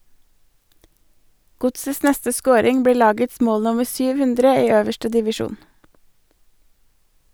Godsets neste scoring blir lagets mål nummer 700 i øverste divisjon.